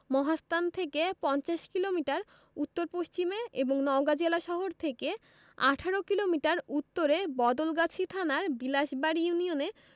মহাস্থান থেকে পঞ্চাশ কিলোমিটার উত্তর পশ্চিমে এবং নওগাঁ জেলাশহর থেকে ১৮ কিলোমিটার উত্তরে বদলগাছি থানার বিলাসবাড়ি ইউনিয়নে